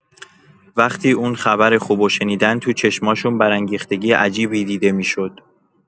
وقتی اون خبر خوبو شنیدن، تو چشماشون برانگیختگی عجیبی دیده می‌شد.